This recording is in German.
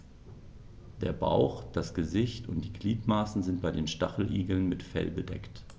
Der Bauch, das Gesicht und die Gliedmaßen sind bei den Stacheligeln mit Fell bedeckt.